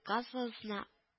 “газ” базасында